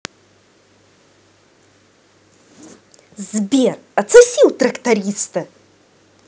сбер отсоси у тракториста